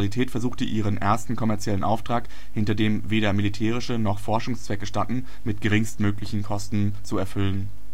versuchte, ihren ersten kommerziellen Auftrag, hinter dem weder militärische noch Forschungszwecke standen, mit geringstmöglichen Kosten zu erfüllen